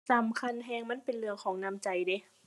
สำคัญแรงมันเป็นเรื่องของน้ำใจเดะ